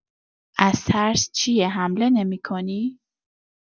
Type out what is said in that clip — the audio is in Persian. از ترس چیه حمله نمی‌کنی؟